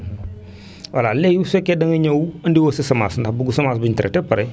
voilà léegi bu fekkee da nga ñëw andiwoo sa semence ndax bëgg semence bu ñu traité ba pare